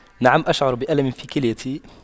نعم أشعر بألم في كليتي